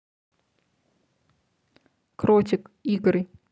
кротик игры